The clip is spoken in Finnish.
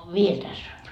vielä tässä on